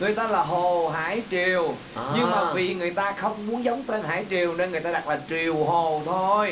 người ta là hồ hải triều nhưng mà vì người ta không muốn giống tên hải triều nên người ta đặt là triều hồ thôi